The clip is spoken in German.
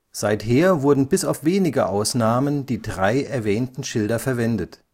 Seither werden bis auf wenige Ausnahmen die drei erwähnten Schilder verwendet